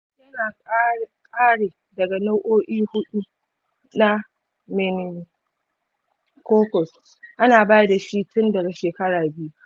yana kare daga nau’o’i huɗu na meningococcus. ana ba da shi tun daga shekara biyu.